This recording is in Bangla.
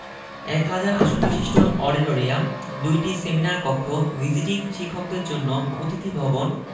এক হাজার আসনবিশিষ্ট অডিটোরিয়াম ২টি সেমিনার কক্ষ ভিজিটিং শিক্ষকদের জন্য অতিথি ভবন